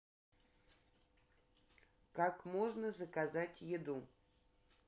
как можно заказать еду